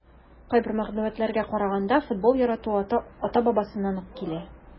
Кайбер мәгълүматларга караганда, футбол яратуы ата-бабасыннан ук килә.